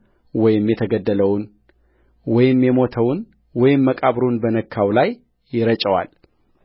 ወይም የተገደለውን ወይም የሞተውን ወይም መቃብሩን በነካው ላይ ይረጨዋል